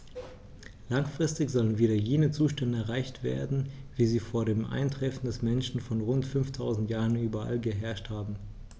Langfristig sollen wieder jene Zustände erreicht werden, wie sie vor dem Eintreffen des Menschen vor rund 5000 Jahren überall geherrscht haben.